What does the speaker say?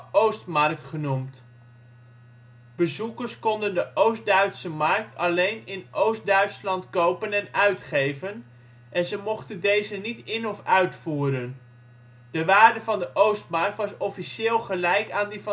Ostmark ' genoemd. Bezoekers konden de Oost-Duitse mark alleen in Oost-Duitsland kopen en uitgeven, en ze mochten deze niet in - of uitvoeren. De waarde van de Ostmark was officieel gelijk aan die